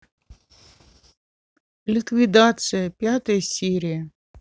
ликвидация пятая серия